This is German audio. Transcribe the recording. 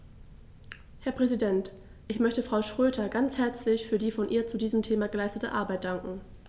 Herr Präsident, ich möchte Frau Schroedter ganz herzlich für die von ihr zu diesem Thema geleistete Arbeit danken.